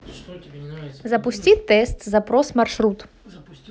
запусти тест запрос маршрут